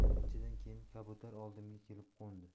anchadan keyin kabutar oldimga kelib qo'ndi